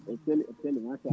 eɓe celli eɓe celli machallah